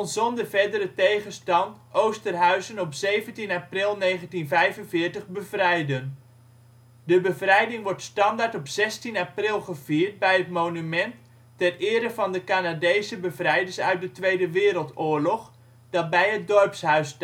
zonder verdere tegenstand Oosterhuizen op 17 april 1945 bevrijden. De bevrijding wordt standaard op 16 april gevierd bij het monument ter ere van de Canadese bevrijders uit de Tweede Wereldoorlog dat bij het dorpshuis